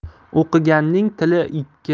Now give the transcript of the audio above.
o'qiganning tili ikki